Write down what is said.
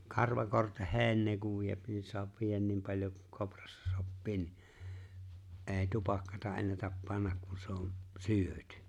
karvakorteheinää kun vie niin saa viedä niin paljon kuin kouraan sopii niin ei tupakkaa ennätä panna kun se on syöty